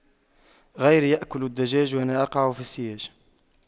غيري يأكل الدجاج وأنا أقع في السياج